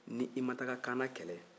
n'i ma taga kaana kɛlɛ